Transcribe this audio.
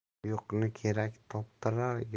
yo'qni kerak toptirar